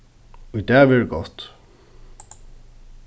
í dag verður gott